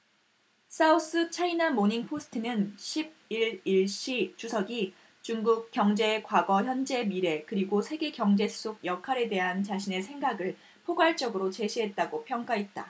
사우스차이나모닝포스트는 십 일 일 시 주석이 중국 경제의 과거 현재 미래 그리고 세계경제 속 역할에 대한 자신의 생각을 포괄적으로 제시했다고 평가했다